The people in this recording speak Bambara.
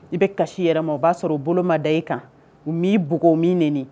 I bɛ kasi' yɛrɛ ma o b'a sɔrɔ bolo ma da i kan u m'i bugo u m'i neni